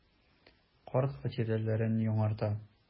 Карт хатирәләрен яңарта.